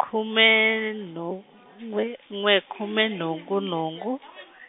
khume nhu- we-, n'we khume nhungu nhungu.